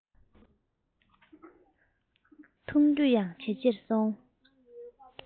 མཐོང རྒྱ ཡང ཇེ ཆེར སོང